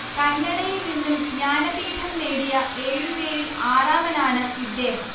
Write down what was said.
കന്നഡയിൽ നിന്നും ജ്ഞാനപീഠം നേടിയ ഏഴുപേരിൽ ആറാമനാണ് ഇദ്ദേഹം